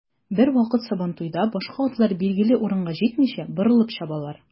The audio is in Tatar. Бервакыт сабантуйда башка атлар билгеле урынга җитмичә, борылып чабалар.